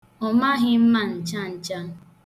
Ọ maghị mma ncha ncha.